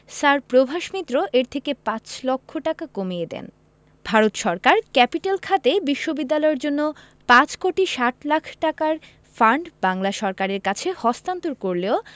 sir Prabhas Mitra এর থেকে পাঁচ লক্ষ টাকা কমিয়ে দেন ভারত সরকার ক্যাপিটেল খাতে বিশ্ববিদ্যালয়ের জন্য ৫ কোটি ৬০ লাখ টাকার ফান্ড বাংলা সরকারের কাছে হস্তান্তর করলেও